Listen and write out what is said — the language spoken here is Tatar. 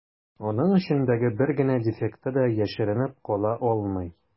Аның эчендәге бер генә дефекты да яшеренеп кала алмый.